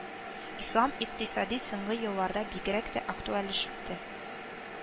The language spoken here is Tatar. Ислам икътисады соңгы елларда бигрәк тә актуальләште